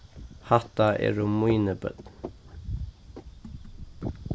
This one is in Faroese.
hatta eru míni børn